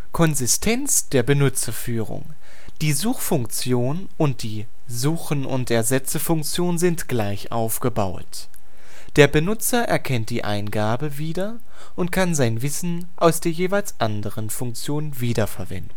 Konsistenz der Benutzerführung Die Suchfunktion und die „ Suchen und Ersetzen “- Funktion sind gleich aufgebaut. Der Benutzer erkennt die Eingabe wieder und kann sein Wissen aus der jeweils anderen Funktion wieder verwenden